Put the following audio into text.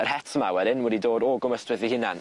Yr het 'ma wedyn wedi dod o Gwm Ystwyth ei hunan.